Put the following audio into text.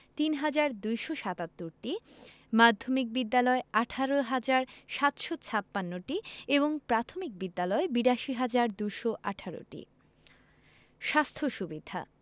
৩হাজার ২৭৭টি মাধ্যমিক বিদ্যালয় ১৮হাজার ৭৫৬টি এবং প্রাথমিক বিদ্যালয় ৮২হাজার ২১৮টি স্বাস্থ্য সুবিধা